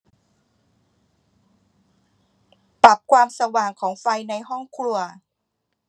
ปรับความสว่างของไฟในห้องครัว